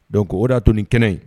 - Donc o de y'a to nin kɛnɛ in